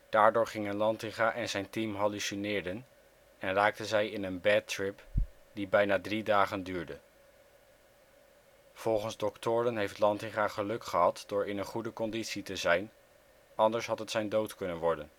Daardoor gingen Lantinga en zijn team hallucineren en raakten zij in een bad trip die bijna drie dagen duurde. Volgens doktoren heeft Lantinga geluk gehad door in een goede conditie te zijn, anders had het zijn dood kunnen worden